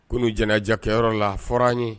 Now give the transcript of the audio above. Kunun jɛnɛja kɛyɔrɔ la fɔra n ye